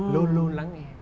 luôn luôn lắng nghe